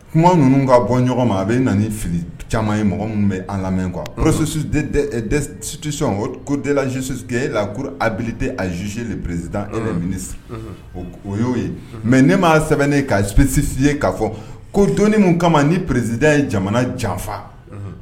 Kuma ninnu ka bɔ ɲɔgɔn ma a bɛ na fili caman ye mɔgɔ minnu bɛ an lamɛn kuwa psi o kodlazsusiti e lak abite azsi prerisid e yɛrɛ mini sisan o y ye'o ye mɛ ne m ma sɛbɛnnen kapsi ye kaa fɔ ko doni kama ni pererisid ye jamana janfa